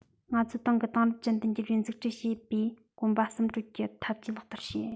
ང ཚོའི ཏང གིས དེང རབས ཅན དུ འགྱུར བའི འཛུགས སྐྲུན བྱེད པའི གོམ པ གསུམ བགྲོད ཀྱི འཐབ ཇུས ལག བསྟར བྱས